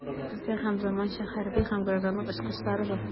Бездә заманча хәрби һәм гражданлык очкычлары бар.